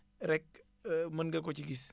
rek mën nga ko ci gis